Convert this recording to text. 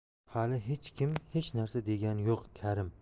hali hech kim hech narsa degani yo'q karim